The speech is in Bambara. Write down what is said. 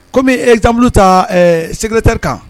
Kɔmi bɛ etamuru ta segtɛri kan